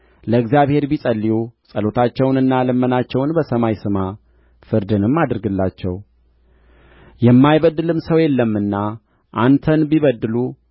ለእግዚአብሔር ቢጸልዩ ጸሎታቸውንና ልመናቸውን በሰማይ ስማ ፍርድንም አድርግላቸው የማይበድልም ሰው የለምና አንተን ቢበድሉ